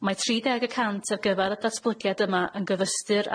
Mae tri deg y cant ar gyfar y datblygiad yma yn gyfystyr